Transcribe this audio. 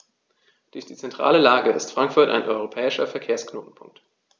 Durch die zentrale Lage ist Frankfurt ein europäischer Verkehrsknotenpunkt.